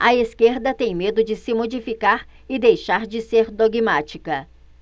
a esquerda tem medo de se modificar e deixar de ser dogmática